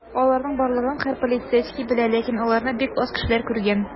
Аларның барлыгын һәр полицейский белә, ләкин аларны бик аз кешеләр күргән.